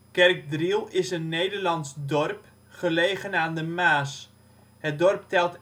Kerkdriel is een Nederlands dorp, gelegen aan de Maas. Het dorp telt